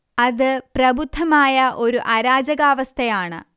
അത് പ്രബുദ്ധമായ ഒരു അരാജകാവസ്ഥയാണ്